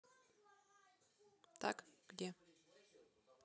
так где